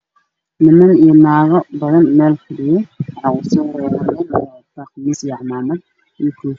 Niman iyo naago meel fadhiya dhaxaawo soo horreeyo laba nin oo wato khamiis cadaan iyo cimaamad koofi ya